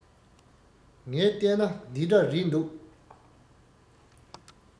ངས ལྟས ན འདི འདྲ རེད འདུག